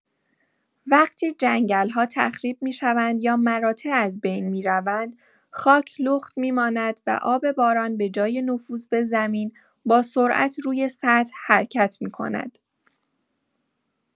وقتی جنگل‌ها تخریب می‌شوند یا مراتع از بین می‌روند، خاک لخت می‌ماند و آب باران به‌جای نفوذ به زمین، با سرعت روی سطح حرکت می‌کند.